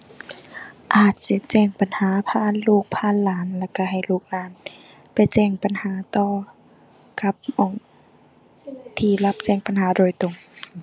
อาจสิแจ้งปัญหาผ่านลูกผ่านหลานแล้วก็ ให้ลูกหลานไปแจ้งปัญหาต่อกับหม้องที่รับแจ้งปัญหาโดยตรง